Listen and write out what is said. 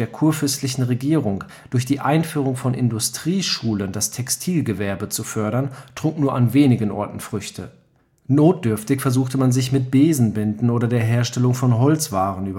kurfürstlichen Regierung, durch die Einführung von Industrieschulen das Textilgewerbe zu fördern, trug nur an wenigen Orten Früchte. Notdürftig versuchte man sich mit Besenbinden oder der Herstellung von Holzwaren